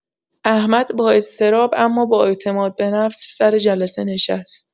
احمد با اضطراب اما با اعتمادبه‌نفس سر جلسه نشست.